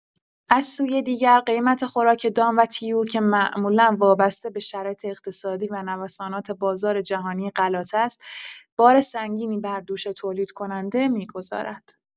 از سوی دیگر قیمت خوراک دام و طیور که معمولا وابسته به شرایط اقتصادی و نوسانات بازار جهانی غلات است، بار سنگینی بر دوش تولیدکننده می‌گذارد.